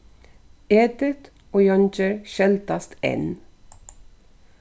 edith og jóngerð skeldast enn